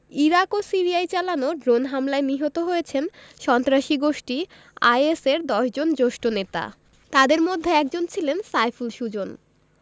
Iraq ও সিরিয়ায় চালানো ড্রোন হামলায় নিহত হয়েছেন সন্ত্রাসী গোষ্ঠী আইএসের ১০ জন জ্যেষ্ঠ নেতা তাঁদের মধ্যে একজন ছিলেন সাইফুল সুজন